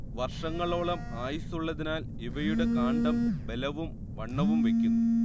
വർഷങ്ങളോളം ആയുസ്സുള്ളതിനാൽ ഇവയുടെ കാണ്ഡം ബലവും വണ്ണവും വയ്ക്കുന്നു